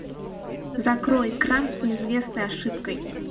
закрой экран с неизвестной ошибкой